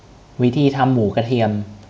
วิธีทำหมูกระเทียม